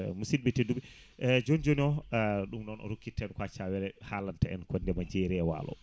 musiɓɓe tedduɓe joni joni o ɗum noon o rokkitta en ko Athia Wele haalanta en ko ndeema jeeri e walo